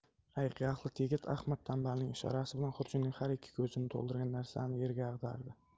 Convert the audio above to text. ayiqtaxlit yigit ahmad tanbalning ishorasi bilan xurjunning har ikki ko'zini to'ldirgan narsani yerga ag'dardi